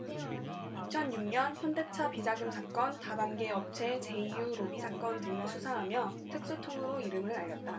이천 육 년 현대차 비자금 사건 다단계 업체 제이유 로비 사건 등을 수사하며 특수통으로 이름을 알렸다